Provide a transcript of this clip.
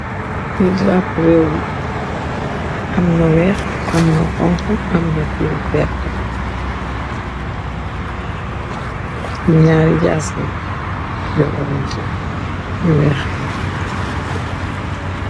Li darapo reew la am lu weex amna xonxa amna wertah naari jasi yu wonrante yu wertah.